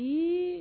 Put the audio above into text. Un